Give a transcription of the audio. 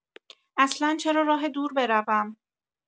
اصلا چرا راه دور بروم.